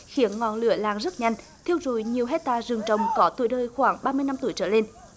khiến ngọn lửa lan rất nhanh thiêu rụi nhiều héc ta rừng trồng có tuổi đời khoảng ba mươi năm tuổi trở lên